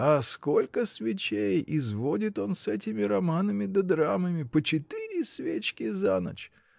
А сколько свечей изводит он с этими романами да драмами: по четыре свечки за ночь!